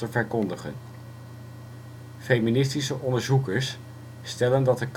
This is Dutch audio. Feministische onderzoekers stellen dat